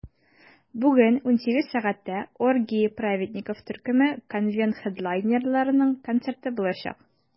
Бүген 18 сәгатьтә "Оргии праведников" төркеме - конвент хедлайнерларының концерты булачак.